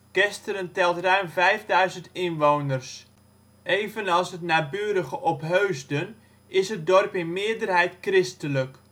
Kesteren telt ruim 5000 inwoners. Evenals het naburige Opheusden is het dorp in meerderheid christelijk